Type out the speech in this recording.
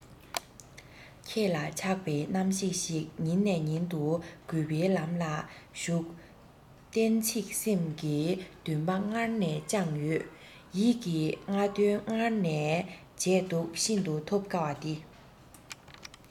ཁྱེད ལ ཆགས པའི རྣམ ཤེས ཤིག ཉིན ནས ཉིན དུ རྒུད པའི ལམ ལ ཞུགས གཏན ཚིགས སེམས ཀྱི འདུན པ སྔར ནས བཅངས ཡོད ཡིད ཀྱི སྟ གོན སྔར ནས བྱས འདུག ཤིན ཏུ ཐོབ དཀའ བ དེ